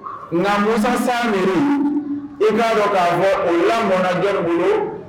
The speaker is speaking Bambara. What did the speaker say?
Nka musansan i'a jɔ k' o yan mɔnna jeliw bolo